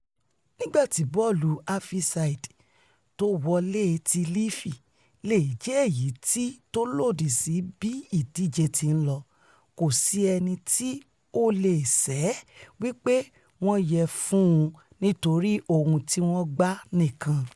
nígbà tí bọ́ọ̀lù àfisíde tówọlé ti Livi leè jẹ́ èyití tólòdì sí bí ìdíje tí ńlọ, kòsí ẹnití o leè ṣẹ́ wí pé wọn yẹ fún un nítorí ohun tíwọ́n gbà nìkan.